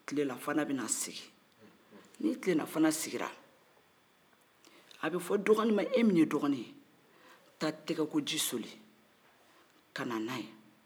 kilelafana bɛna sigi ni kilelafana sigila a bɛ fɔ dɔgɔni ma e min ye dɔgɔni ye taa tɛgɛkoji cɛ ka na n'a ye